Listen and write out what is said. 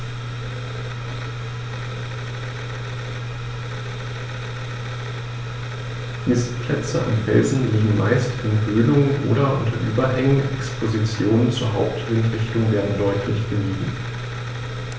Nistplätze an Felsen liegen meist in Höhlungen oder unter Überhängen, Expositionen zur Hauptwindrichtung werden deutlich gemieden.